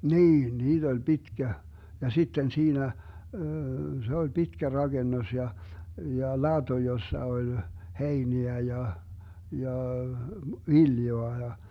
niin niitä oli pitkä ja sitten siinä se oli pitkä rakennus ja ja lato jossa oli heiniä ja ja viljaa ja